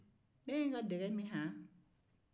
ne ye n ka dɛgɛ min haan